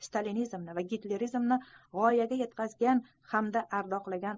stalinizmni va gitlerizmni voyaga yetkazgan hamda ardoqlagan kishilarga